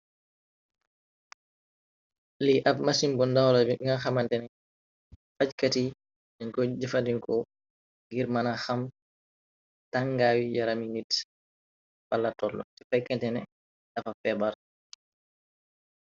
Lii ab masin bo ndawala binga xamantene fajkat yi dañ koy jëfadinko ngir mëna xam tàngaayu yarami nit pala toll ci fay kentene dafa feebar.